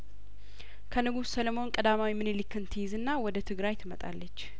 ከንጉስ ሰለሞን ቀዳማዊ ሚንሊክንት ይዝና ወደ ትግራይ ትመጣለች